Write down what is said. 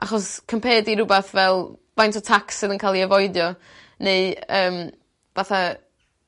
achos compared i rwbath fel faint o tax sydd yn ca'l 'i afoidio neu yym fatha